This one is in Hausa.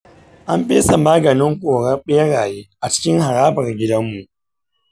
an fesa maganin korar beraye a cikin harabar gidarmu.